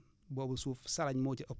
boobu suuf salañ moo ci ëpp